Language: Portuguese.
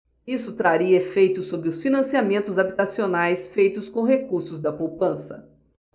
isso traria efeitos sobre os financiamentos habitacionais feitos com recursos da poupança